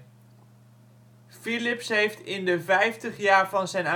Philips heeft in de vijftig jaar van zijn